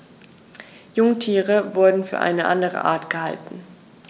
Jungtiere wurden für eine andere Art gehalten.